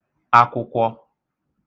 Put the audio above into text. akwụkwọ